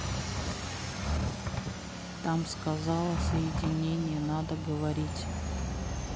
там сказала соединение надо говорить